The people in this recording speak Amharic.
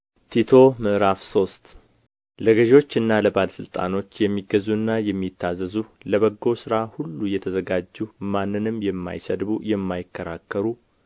ቲቶ ምዕራፍ ሶስት ለገዦችና ለባለ ሥልጣኖች የሚገዙና የሚታዘዙ ለበጎ ሥራ ሁሉ የተዘጋጁ ማንንም የማይሰድቡ የማይከራከሩ